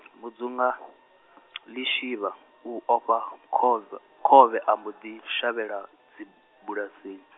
Mudzunga, Lishivha u ofha khovh- khovhe a mbo ḓi shavhela, dzibulasini.